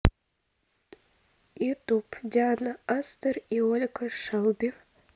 ютуб диана астер и ольга шелби